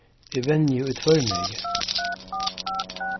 eg venji í tvørmegi